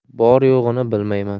bor yo'g'ini bilmayman